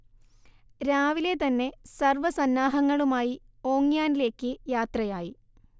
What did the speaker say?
രാവിലെ തന്നെ സർവ സന്നാഹങ്ങളുമായി ഓങ്യോനിലേക്ക് യാത്രയായി